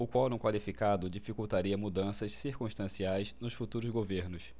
o quorum qualificado dificultaria mudanças circunstanciais nos futuros governos